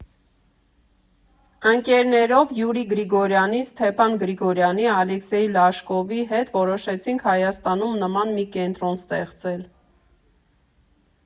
Ընկերեներով՝ Յուրի Գրիգորյանի, Ստեփան Գրիգորյանի, Ալեքսեյ Լաշկովի հետ որոշեցինք Հայաստանում նման մի կենտրոն ստեղծել։